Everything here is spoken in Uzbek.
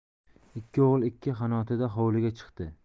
ikki o'g'il ikki qanotida hovliga chiqdi